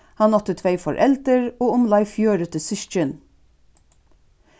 hann átti tvey foreldur og umleið fjøruti systkin